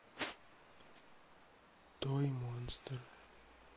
той монстр